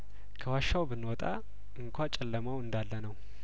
ከዋሻውብን ወጣ እንኳ ጨለማው እንዳለነው